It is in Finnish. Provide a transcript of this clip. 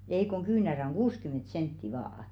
ei kun kyynärä on kuusikymmentä senttiä vain